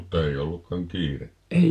mutta ei ollutkaan kiirettä